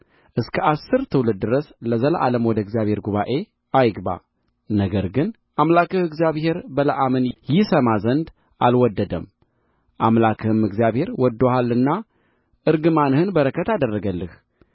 እስከ አሥር ትውልድ ድረስ ለዘላለም ወደ እግዚአብሔር ጉባኤ አይግባ ነገር ግን አምላክህ እግዚአብሔር በለዓምን ይሰማ ዘንድ አልወደደም አምላክህም እግዚአብሔር ወድዶሃልና እርግማኑን በረከት አደረገልህ